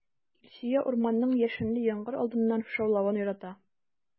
Илсөя урманның яшенле яңгыр алдыннан шаулавын ярата.